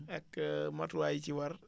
ak matuwaay yi ci war